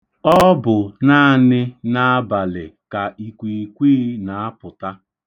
Ọ bụ naanị n'abalị ka ikwiikwii na-apụta.